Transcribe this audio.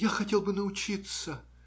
- Я хотел бы научиться.